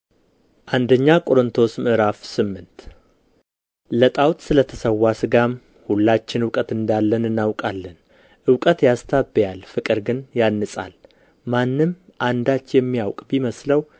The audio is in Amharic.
አንደኛ ቆሮንጦስ ምዕራፍ ስምንት ለጣዖት ስለ ተሠዋ ሥጋም ሁላችን እውቀት እንዳለን እናውቃለን እውቀት ያስታብያል ፍቅር ግን ያንጻል ማንም አንዳች የሚያውቅ ቢመስለው